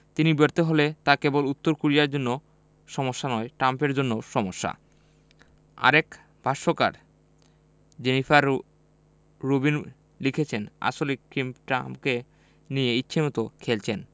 তিনি ব্যর্থ হলে তা কেবল উত্তর কোরিয়ার জন্য সমস্যা নয় ট্রাম্পের জন্যও সমস্যা আরেক ভাষ্যকার জেনিফার রুবিন লিখেছেন আসলে কিম ট্রাম্পকে নিয়ে ইচ্ছেমতো খেলছেন